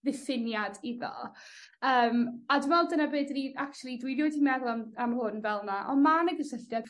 ddiffiniad iddo yym a dwi me'wl dyna be' 'dyn ni actually dwi erioed 'di meddwl am am hwn fel 'na on' ma' 'na gysylltiad